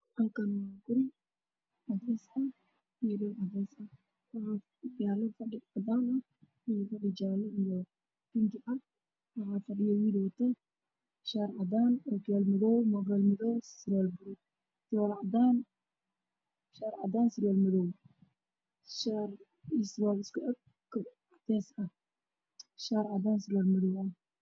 Halkaan waxaa ka muuqdo niman badan oo dhalinyaro iyo duqaw ku jirto meeshana waa meel hool ah